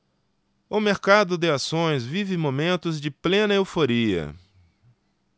o mercado de ações vive momentos de plena euforia